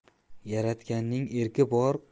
yaratganning erki bor